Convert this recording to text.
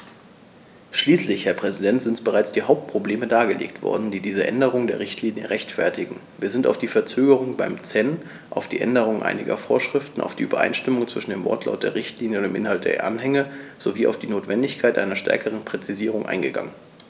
Schließlich, Herr Präsident, sind bereits die Hauptprobleme dargelegt worden, die diese Änderung der Richtlinie rechtfertigen, wir sind auf die Verzögerung beim CEN, auf die Änderung einiger Vorschriften, auf die Übereinstimmung zwischen dem Wortlaut der Richtlinie und dem Inhalt der Anhänge sowie auf die Notwendigkeit einer stärkeren Präzisierung eingegangen.